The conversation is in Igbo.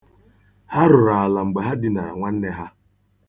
Ha rụrụ ala mgbe ha dinara nwanne ha.